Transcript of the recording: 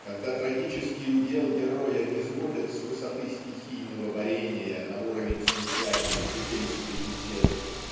когда трагический удел героя низводят с высоты стихийного борения на уровень случайной житейской беды?